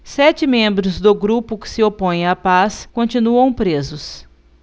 sete membros do grupo que se opõe à paz continuam presos